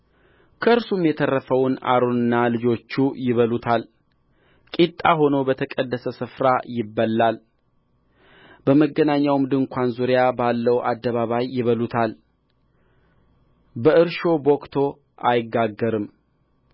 ከእርሱም የተረፈውን አሮንና ልጆቹ ይበሉታል ቂጣ ሆኖ በተቀደሰ ስፍራ ይበላል በመገናኛው ድንኳን ዙሪያ ባለው አደባባይ ይበሉታልበእርሾ ቦክቶ አይጋገርም